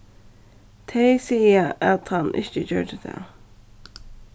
tey siga at hann ikki gjørdi tað